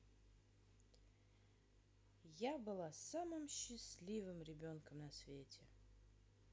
я была самым счастливым ребенком на свете